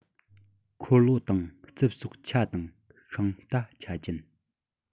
འཁོར ལོ དང རྩིབས སོགས ཆ དང ཤིང རྟ ཆ ཅན